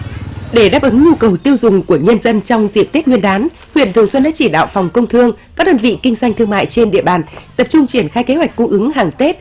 để đáp ứng nhu cầu tiêu dùng của nhân dân trong dịp tết nguyên đán huyện thường xuân đã chỉ đạo phòng công thương các đơn vị kinh doanh thương mại trên địa bàn tập trung triển khai kế hoạch cung ứng hàng tết